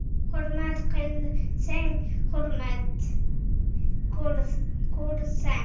hurmat qilsang hurmat ko'rasan